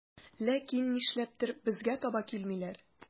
Ләкин нишләптер безгә таба килмиләр.